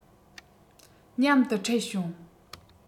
མཉམ དུ འཕྲད བྱུང